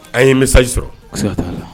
An ye misaji sɔrɔ